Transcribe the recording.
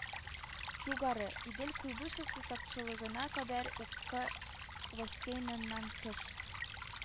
(югары) идел куйбышев сусаклагычына кадәр (ука бассейныннан тыш)